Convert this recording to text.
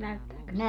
näyttääkö se